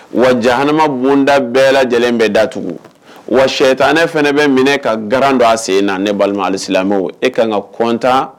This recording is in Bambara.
Wa ja hama bonda bɛɛ lajɛlen bɛ datugu wa sɛ tan ne fana bɛ minɛ ka garan don a sen na ne balimasi e ka kan ka kɔntan